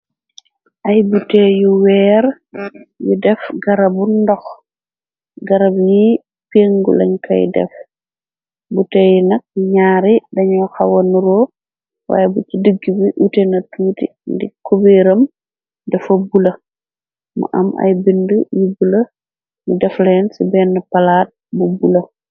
Ay buteel yu weer yu def garabu ndox, garab ñi pengulañ kay def, buteel yi nak ñaari dañuy xawanuro, waay bu ci digg bi utena tuuti ndi kubeeram dafa bula mu am ay bind yu bula mu defaleen ci benne palaat bu bula.